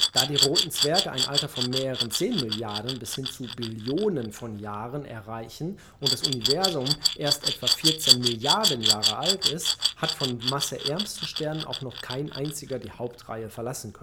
Da die Roten Zwerge ein Alter von mehreren 10 Milliarden bis hin zu Billionen von Jahren erreichen und das Universum erst etwa 14 Milliarden Jahre alt ist, hat von den masseärmsten Sternen auch noch kein einziger die Hauptreihe verlassen